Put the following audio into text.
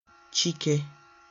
Chike